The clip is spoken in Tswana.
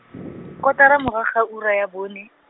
kotara morago ga ura ya bone.